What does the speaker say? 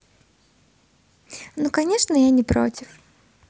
ну конечно я не против